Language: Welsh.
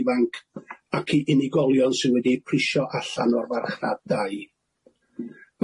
ifanc ac i unigolion sydd wedi'u prisho allan o'r farchnad dai.